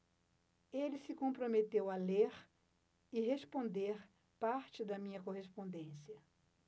ele se comprometeu a ler e responder parte da minha correspondência